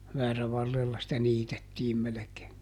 väärävarrella sitä niitettiin melkein